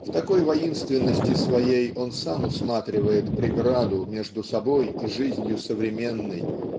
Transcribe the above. В такой воинственности своей он сам усматривает преграду между собой и жизнью современной